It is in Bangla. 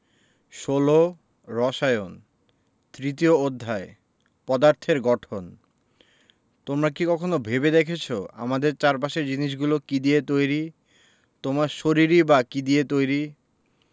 ১৬ রসায়ন তৃতীয় অধ্যায় পদার্থের গঠন তোমরা কি কখনো ভেবে দেখেছ আমাদের চারপাশের জিনিসগুলো কী দিয়ে তৈরি তোমার শরীরই বা কী দিয়ে তৈরি